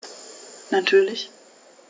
Natürlich.